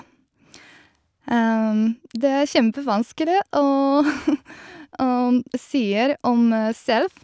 Det er kjempevanskelig å sier om selv.